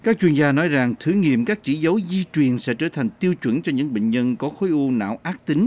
các chuyên gia nói rằng thử nghiệm các chỉ dấu di truyền sẽ trở thành tiêu chuẩn cho những bệnh nhân có khối u não ác tính